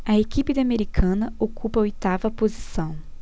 a equipe de americana ocupa a oitava posição